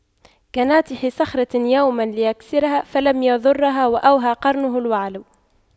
كناطح صخرة يوما ليكسرها فلم يضرها وأوهى قرنه الوعل